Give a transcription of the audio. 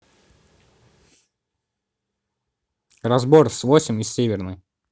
разбор с восемь из северной